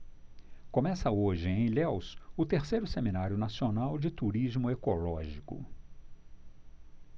começa hoje em ilhéus o terceiro seminário nacional de turismo ecológico